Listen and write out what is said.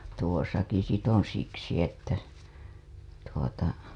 tuossakin sitten on siksi että tuota